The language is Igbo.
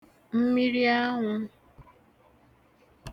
mmirianwụ̄